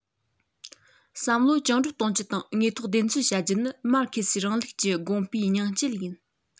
བསམ བློ བཅིངས འགྲོལ གཏོང རྒྱུ དང དངོས ཐོག བདེན འཚོལ བྱ རྒྱུ ནི མར ཁེ སིའི རིང ལུགས ཀྱི དགོངས པའི སྙིང བཅུད ཡིན